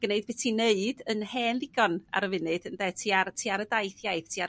g'neud be ti'n neud yn hen ddigon ar y funud ynde? Ti ar y daith iaith ti ar yr